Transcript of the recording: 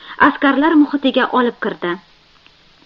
askarlar muhitiga olib kirdi